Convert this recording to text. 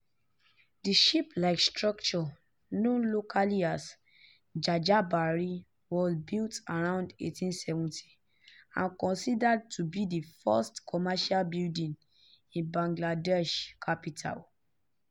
The ship-like structure, known locally as "Jahaj Bari", was built around 1870 and considered to be the first commercial building in Bangladesh's capital.